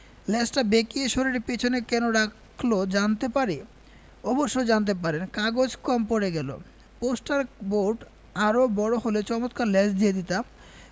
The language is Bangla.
লেজটা বেঁকিয়ে শরীরের পেছনে কেন রাখল জানতে পারি অবশ্যই জানতে পারেন কাগজ কম পড়ে গেল পোস্টার বোর্ড আয়ে বড় হলে চমৎকার লেজ দিয়ে দিতাম